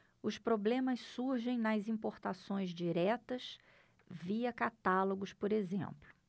os problemas surgem nas importações diretas via catálogos por exemplo